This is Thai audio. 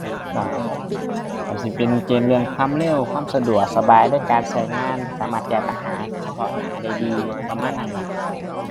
ก็ ก็สิเป็นเกณฑ์เรื่องความเร็ว ความสะดวกสบายในการก็งาน สามารถแก้ปัญหาเฉพาะหน้าได้ดี ประมาณนั่นล่ะ